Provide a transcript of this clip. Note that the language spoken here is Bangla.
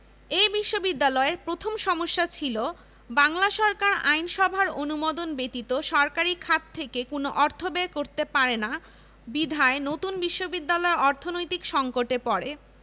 সম্মানসূচক ডিগ্রিপ্রাপ্তদের মধ্যে বিশেষভাবে উল্লেখযোগ্য হলেন বিশ্বকবি রবীন্দ্রনাথ ঠাকুর জাতীয় কবি কাজী নজরুল ইসলাম বিজ্ঞানী স্যার জগদীশ চন্দ্র বসু